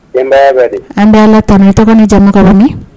N bɛ an b'a la tan tɔgɔ ni jamukɔrɔ min